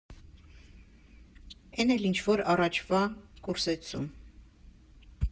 Էն էլ ինչ֊որ առաջվա կուրսեցու։